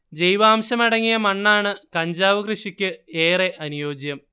ജൈവാംശമടങ്ങിയ മണ്ണാണ് കഞ്ചാവ് കൃഷിക്ക് ഏറെ അനുയോജ്യം